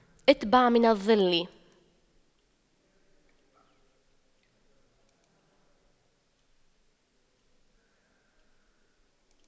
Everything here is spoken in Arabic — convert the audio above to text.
أتبع من الظل